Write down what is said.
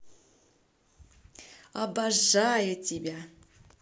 обожаю тебя